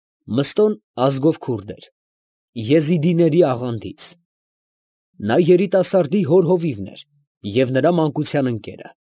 Մըստոն ազգով քուրդ էր, եզիդիների աղանդից. նա երիտասարդի հոր հովիվն էր և նրա մանկության ընկերը։